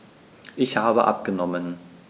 Ich habe abgenommen.